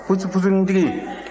pusepusenintigi